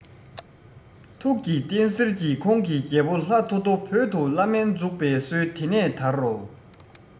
ཐུགས ཀྱི རྟེན གསེར གྱི ཁོང གིས རྒྱལ པོ ལྷ ཐོ ཐོ བོད དུ བླ སྨན འཛུགས པའི སྲོལ དེ ནས དར རོ